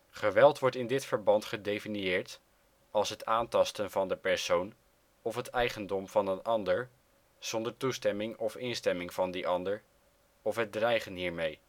Geweld wordt in dit verband gedefinieerd als het aantasten van de persoon of het eigendom van een ander zonder toestemming of instemming van die ander, of het dreigen hiermee